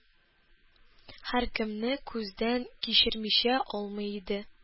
Һәркемне күздән кичермичә калмый иде.